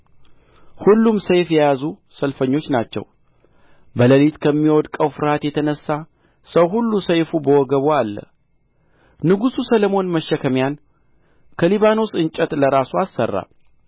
ሁሉም ሰይፍ የያዙ ሰልፈኞች ናቸው በሌሊት ከሚወድቀው ፍርሃት የተነሣ ሰው ሁሉ ሰይፉ በወገቡ አለ ንጉሡ ሰሎሞን መሸከሚያን ከሊባኖስ እንጨት ለራሱ አሠራ